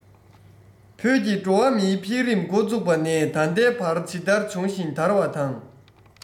བོད ཀྱི འགྲོ བ མིའི འཕེལ རིམ མགོ བཙུགས པ ནས ད ལྟའི བར ཇི ལྟར བྱུང ཞིང དར བ དང